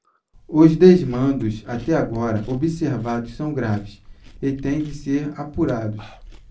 os desmandos até agora observados são graves e têm de ser apurados